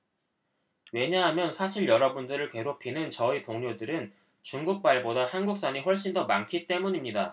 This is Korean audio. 왜냐하면 사실 여러분들을 괴롭히는 저의 동료들은 중국발보다 한국산이 훨씬 더 많기 때문입니다